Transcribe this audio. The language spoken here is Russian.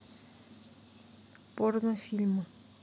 порно фильмы